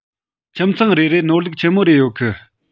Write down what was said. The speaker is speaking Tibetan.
ཁྱིམ ཚང རེ རེ ནོར ལུག ཆི མོ རེ ཡོད གི